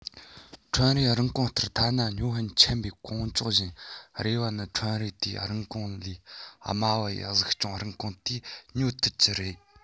ཁྲོམ རའི རིན གོང ལྟར ཐ ན སྨྱོ ཧམ ཆེན པོས གོང བཅོག བཞིན རེ བ ནི ཁྲོམ རའི དེ རིན གོང ལས དམའ བ ཡི གཟིགས སྐྱོང རིན གོང དེ ཉོ ཐུབ ཀྱི རེད